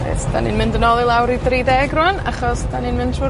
Reit, 'dan ni'n mynd yn ôl i lawr i dri deg rŵan, achos 'dan ni'n myn' trw'r